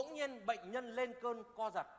bỗng nhiên bệnh nhân lên cơn co giật